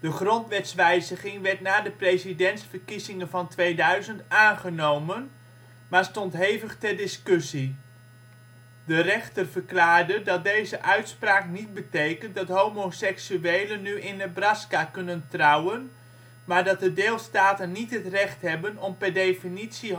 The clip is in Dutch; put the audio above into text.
grondwetswijziging werd na de presidentsverkiezingen van 2000 aangenomen, maar stond hevig ter discussie. De rechter verklaarde dat deze uitspraak niet betekent dat homoseksuelen nu in Nebraska kunnen trouwen, maar dat de deelstaten niet het recht hebben om per definitie